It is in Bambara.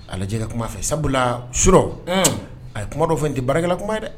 Alejɛ ka kuma fɛ sabula suurɔ a ye kuma dɔ fɛn tɛ baarakɛla kuma ye dɛ